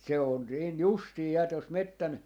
se on niin justiin ja tuossa metsän